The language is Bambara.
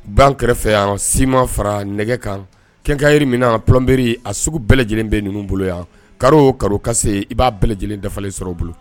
Ban kɛrɛfɛ an si ma fara nɛgɛ kan kɛkan yiriri min a pbiriri a sugu bɛɛ lajɛlen bɛ n ninnu bolo yan ka o ka ka i b'a bɛɛ lajɛlen dafa sɔrɔ bolo